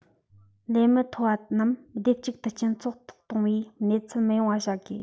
ལས མི འཐོལ པ རྣམས སྡེབ གཅིག ཏུ སྤྱི ཚོགས ཐོག གཏོང བའི གནས ཚུལ མི ཡོང བ བྱ དགོས